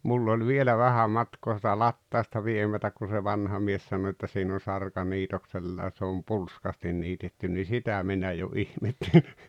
minulla oli vielä vähän matkaa sitä latausta viemättä kun se vanha mies sanoi että siinä on sarka niitoksella ja se on pulskasti niitetty niin sitä minä jo ihmettelin